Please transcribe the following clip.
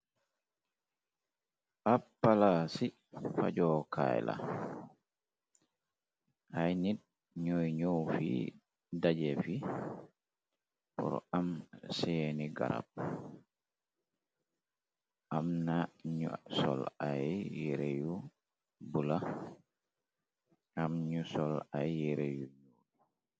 Ab pala ci fajookaay la ay nit ñooy ñow fi dajefi poro am seeni garab amna ñusol ay yereyu bu la am ñu sol ay yere yu ñoo bi.